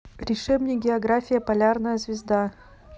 решебник география полярная звезда